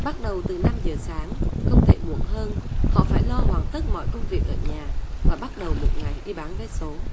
bắt đầu từ năm giờ sáng không thể muộn hơn họ phải lo hoàn tất mọi công việc ở nhà và bắt đầu một ngày đi bán vé số